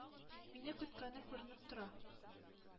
Мине көткәне күренеп тора.